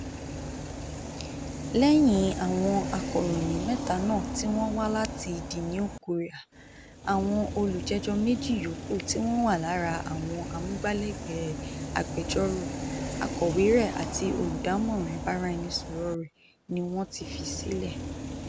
Lẹ́yìn àwọn akọ̀ròyìn mẹ́ta náà tí wọ́n wá láti The New Courier, àwọn olùjẹ́jọ́ méjì yòókù tí wọ́n wà lára àwọn amúgbálẹ́gbẹ̀ẹ́ agbẹjọ́rò (akọ̀wé rẹ̀ àti olúdámọ̀ràn ìbáraẹnisọ̀rọ̀ rẹ̀) ni wọ́n ti fi sílẹ̀.